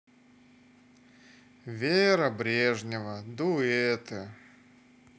вера брежнева дуэты